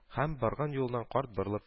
Һәм барган юлыннан карт борылып